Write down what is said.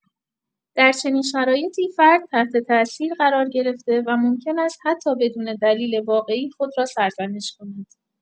در چنین شرایطی، فرد تحت‌تاثیر قرار گرفته و ممکن است حتی بدون دلیل واقعی، خود را سرزنش کند.